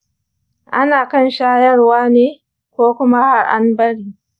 ana kan shayarwa ne ko kuma har an bari?